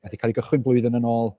Ma' 'di cael ei gychwyn blwyddyn yn ôl.